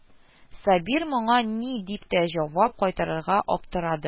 Сабир моңа ни дип тә җавап кайтарырга аптырады